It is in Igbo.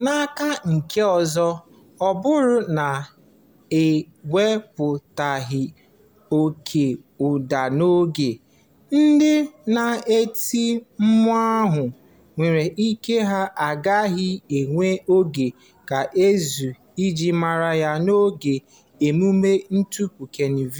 N'aka nke ọzọ, ọ bụrụ na e wepụtaghị oké ụda n'oge, ndị na-eti mmọnwụ nwere ike ha agaghị enwe oge ga-ezu iji mara ya n'oge emume tupu Kanịva.